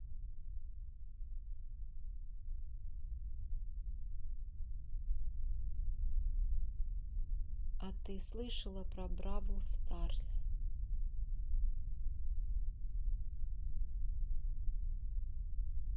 а ты слышала про brawl stars